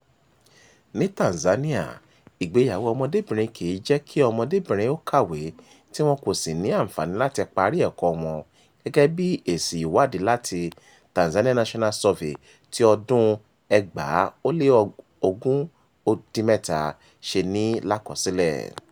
Ní Tanzania, ìgbéyàwó ọmọdébìnrin kì í jẹ kí ọmọdébìnrin ó kàwé tí wọn kò sì ní àǹfààní láti parí ẹ̀kọ́ọ wọn, gẹ́gẹ́ bí èsì ìwádìí láti Tanzania National Survey, 2017 ṣe ní i lákọsílẹ̀.